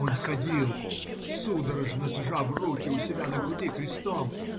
Он ходил, судорожно сжав руки у себя на груди крестом